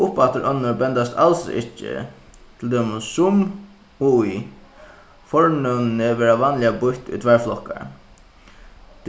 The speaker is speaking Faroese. og uppaftur onnur bendast als ikki til dømis sum og ið fornøvnini verða vanliga býtt í tveir flokkar